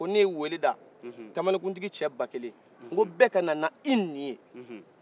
a ko ne ye weele da kamalenkuntigi cɛ bakelen nko bɛɛ kana n'i nin ye